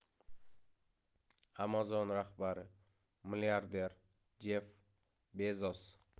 amazon rahbari milliarder jeff bezos